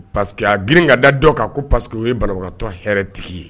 Paseke que a grin ka da dɔ kan ko pa que o ye balatɔ h tigi ye